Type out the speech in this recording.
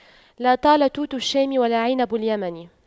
لا طال توت الشام ولا عنب اليمن